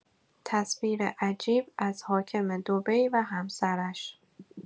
تصویر عجیب از حاکم دبی و همسرش